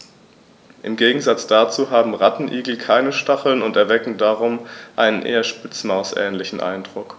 Im Gegensatz dazu haben Rattenigel keine Stacheln und erwecken darum einen eher Spitzmaus-ähnlichen Eindruck.